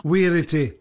Wir i ti.